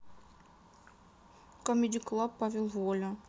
камеди клаб павел воля